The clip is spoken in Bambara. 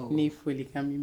Ne foli ka min